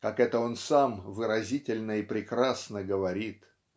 как это он сам выразительно и прекрасно говорит